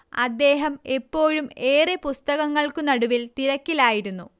അദ്ദേഹം എപ്പോഴും ഏറെ പുസ്തകങ്ങൾക്കുനടുവിൽ തിരക്കിലായിരുന്നു